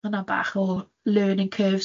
bach o learning curve.